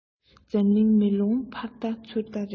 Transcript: འཛམ གླིང མེ ལོང ཕར བལྟ ཚུར བལྟ རེད